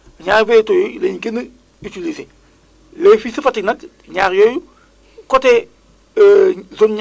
vraiment côté boobuANACIM moom je pense que côté boobu ñoom ñu ngi jàppale bu baax a baax waa agriculture bu baax a baax a baax